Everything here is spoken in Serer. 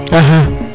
axa